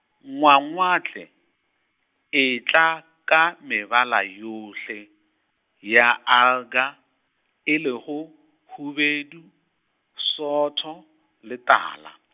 ngwangwatle e tla ka mebala yohle, ya alga, e lego hubedu, sootho le tala.